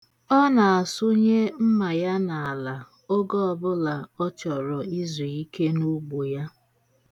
Ọ na-asụnye mma ya n'ala oge ọbụla ọ chọrọ izu ike n'ugbo ya.